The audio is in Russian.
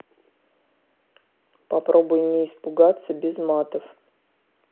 попробуй не испугаться без матов